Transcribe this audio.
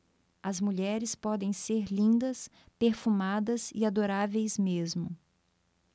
as mulheres podem ser lindas perfumadas e adoráveis mesmo